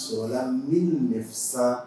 Sɔrɔla 1900